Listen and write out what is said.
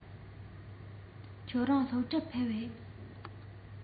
ཁྱེད རང སློབ གྲྭར ཕེབས པས